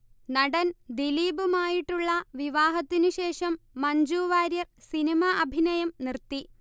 നടൻ ദിലീപുമായിട്ടുള്ള വിവാഹത്തിനു ശേഷം മഞ്ജു വാര്യർ സിനിമ അഭിനയം നിർത്തി